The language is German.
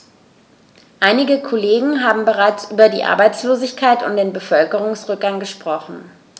Einige Kollegen haben bereits über die Arbeitslosigkeit und den Bevölkerungsrückgang gesprochen.